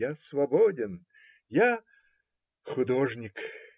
Я свободен, я художник!